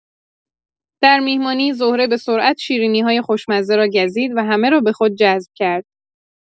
در میهمانی، زهره به‌سرعت شیرینی‌های خوشمزه را گزید و همه را به خود جذب کرد.